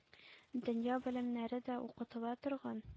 Дөнья белемнәре дә укытыла торган